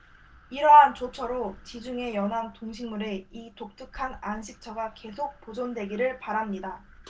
이러한 조처로 지중해 연안 동식물의 이 독특한 안식처가 계속 보존되기를 바랍니다